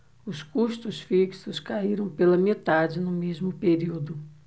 os custos fixos caíram pela metade no mesmo período